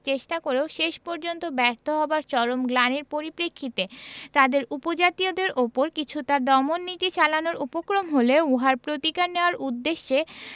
চেষ্টা করেও শেষ পর্যন্ত ব্যর্থ হবার চরম গ্লানির পরিপ্রেক্ষিতে তাদের উপজাতীয়দের ওপর কিছুটা দমন নীতি চালানোর উপক্রম হলে উহার প্রতিকার নেয়ার উদ্দেশে